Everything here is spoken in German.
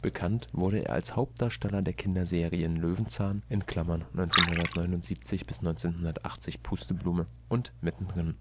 Bekannt wurde er als Hauptdarsteller der Kinderserien Löwenzahn (1979 – 1980: Pusteblume) und mittendrin